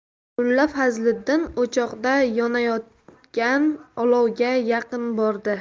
mulla fazliddin o'choqda yonayotgan olovga yaqin bordi